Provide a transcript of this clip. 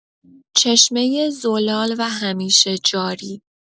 چشمه زلال و همیشه جاری